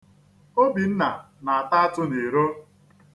Obinna na-ata atụ n'iro.